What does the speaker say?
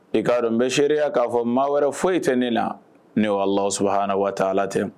I ka dɔn n bɛ seereya k'a fɔ maa wɛrɛ foyi tɛ ne la ni Wa Allahou Soubhana wa ta Alaa tɛ